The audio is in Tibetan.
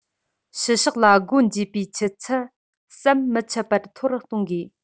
ཕྱི ཕྱོགས ལ སྒོ འབྱེད པའི ཆུ ཚད ཟམ མི ཆད པར མཐོ རུ གཏོང དགོས